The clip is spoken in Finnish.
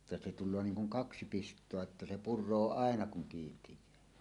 jotta se tulee niin kuin kaksi pistoa että se puree aina kun kiinteää